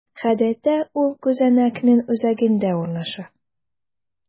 Гадәттә, ул күзәнәкнең үзәгендә урнаша.